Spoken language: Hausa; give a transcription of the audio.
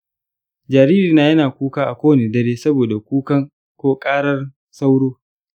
jaririna yana kuka kowane dare saboda kukan/ƙarar sauro.